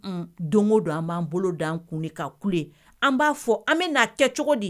Don o don an b'an bolo d'an kun de ka kule, an b'a fɔ an bɛn'a kɛ cogo di